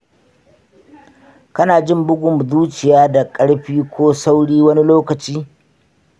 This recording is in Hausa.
kana jin bugun zuciya da ƙarfi ko sauri wani lokaci?